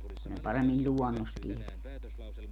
kun ne paremmin luonnosta tietää